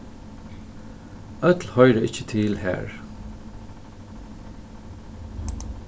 øll hoyra ikki til har